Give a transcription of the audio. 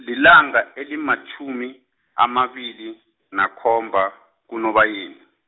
lilanga elimatjhumi, amabili, nakhomba, kuNobayeni.